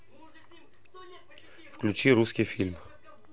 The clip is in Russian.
включи русский фильм